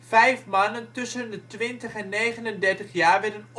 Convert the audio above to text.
Vijf mannen tussen van 20 en 39 jaar werden